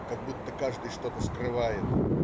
Как будто каждый что-то скрывает.